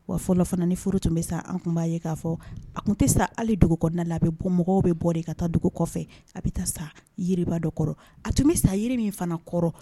Wa fɔfana ni furu tun bɛ sa an tunbaa ye k'a fɔ a tun tɛ sa ali dugu kɔnɔna la a bɛ bɔ mɔgɔw bɛ bɔ ka taa dugu kɔfɛ a bɛ taa sa yiriba dɔ kɔrɔ a tun bɛ sa yiri min fana kɔrɔ